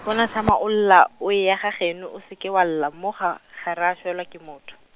bona tšama o lla, o eya gageno o se ka wa lla mo ga, ga ra tšwelwa ke motho.